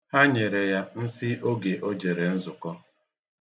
Ha nyere ya nsi oge o jere nzukọ.